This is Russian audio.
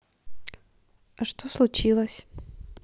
а что случилось